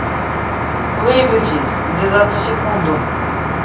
выключись где за одну секунду